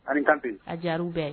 A kanpi aj bɛɛ